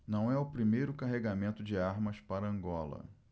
não é o primeiro carregamento de armas para angola